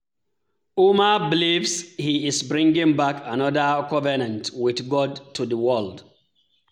Ouma believes he is bringing back another covenant with God to the world.